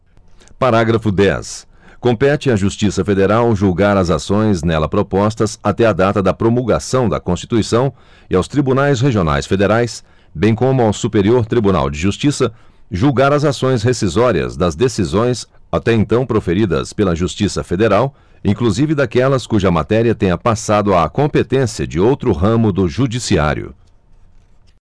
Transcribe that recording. parágrafo dez compete à justiça federal julgar as ações nela propostas até a data da promulgação da constituição e aos tribunais regionais federais bem como ao superior tribunal de justiça julgar as ações rescisórias das decisões até então proferidas pela justiça federal inclusive daquelas cuja matéria tenha passado à competência de outro ramo do judiciário